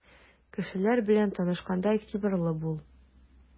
Кешеләр белән танышканда игътибарлы бул.